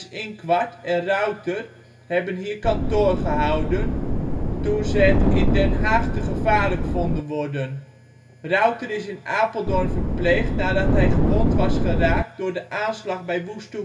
Inquart en Rauter hebben hier kantoor gehouden, toen ze het in Den Haag te gevaarlijk vonden worden. Rauter is in Apeldoorn verpleegd nadat hij gewond was geraakt door de aanslag bij Woeste